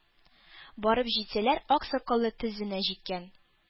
Барып җитсәләр, ак сакалы тезенә җиткән,